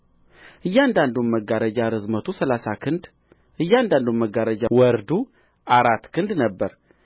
እያንዳንዱም መጋረጃ ርዝመቱ ሠላሳ ክንድ እያንዳንዱም መጋረጃ ወርዱ አራት ክንድ ነበረ